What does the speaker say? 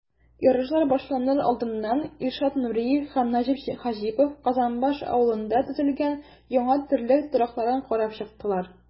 Ярышлар башланыр алдыннан Илшат Нуриев һәм Нәҗип Хаҗипов Казанбаш авылында төзелгән яңа терлек торакларын карап чыктылар.